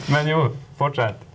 men jo fortsett.